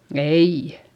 ei